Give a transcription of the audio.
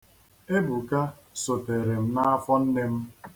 Ebuka sotere m n'afọ nne m.